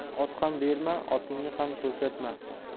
ot ham berma otingni ham ko'rsatma